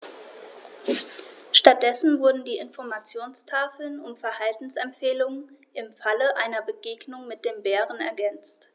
Stattdessen wurden die Informationstafeln um Verhaltensempfehlungen im Falle einer Begegnung mit dem Bären ergänzt.